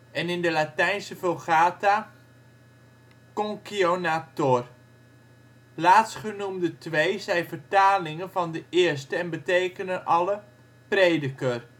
en in de Latijnse Vulgata Concionator. Laatstgenoemde twee zijn vertalingen van de eerste en betekenen alle ' prediker